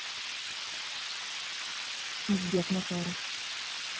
узбек накара